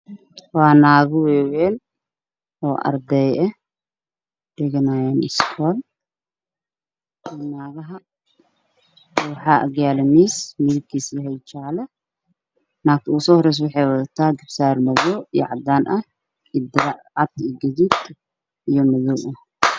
Waa naago io niman kan usoo horeeto wuxuu wataa suud shaati garawaati io koofi shaatiga waa shaati cadeys cadeys ah